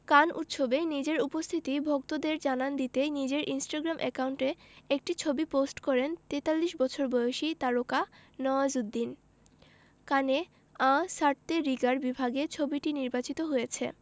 কান উৎসবে নিজের উপস্থিতি ভক্তদের জানান দিতে নিজের ইনস্টাগ্রাম অ্যাকাউন্টে একটি ছবি পোস্ট করেন ৪৩ বছর বয়সী তারকা নওয়াজুদ্দিন কানে আঁ সারতে রিগার বিভাগে ছবিটি নির্বাচিত হয়েছে